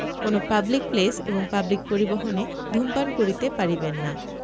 কোন public place এবং public পরিবহণে ধূমপান করিতে পারিবেন না